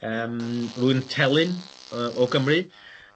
Yym rwyn telyn yy o Gymru.